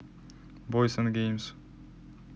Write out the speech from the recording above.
бойс энд геймс